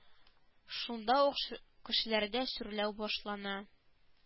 Шунда ук кешеләрдә сүрләү башлана